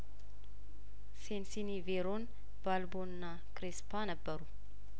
ሴን ሲኒ ቬሮን ባልቦና ክሬስፖ ነበሩ